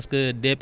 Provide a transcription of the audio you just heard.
DPV